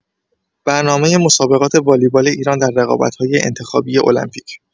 برنامه مسابقات والیبال ایران در رقابت‌های انتخابی المپیک